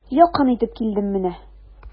Якын итеп килдем менә.